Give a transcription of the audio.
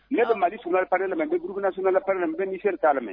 Ne bɛ mali di surunka pa ne la b guru bɛna sunka la pan na n bɛ n nisɛri'a lam